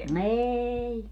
ei